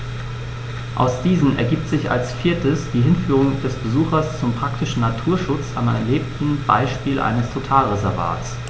Aus diesen ergibt sich als viertes die Hinführung des Besuchers zum praktischen Naturschutz am erlebten Beispiel eines Totalreservats.